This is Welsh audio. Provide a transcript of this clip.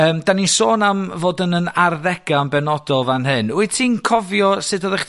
Yym 'dan ni'n sôn am fod yn 'yn arddega' yn benodol fan hyn. Wyt ti'n cofio sut oddach